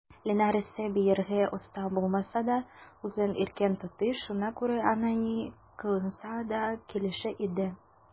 Линар исә, биергә оста булмаса да, үзен иркен тотты, шуңа күрә аңа ни кыланса да килешә иде.